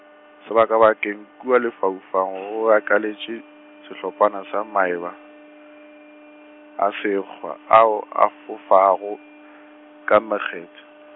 sebakabakeng kua lefaufaung go akaletše, sehlophana sa maeba, a segwa ao a fofago, ka makgethe.